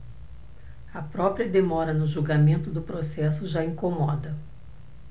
a própria demora no julgamento do processo já incomoda